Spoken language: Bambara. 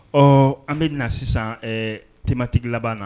Ɔ an bɛ na sisan tematigi laban na